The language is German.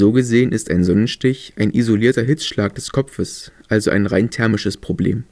gesehen ist ein Sonnenstich ein isolierter Hitzschlag des Kopfes, also ein rein thermisches Problem